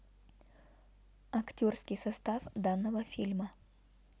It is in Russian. актерский состав данного фильма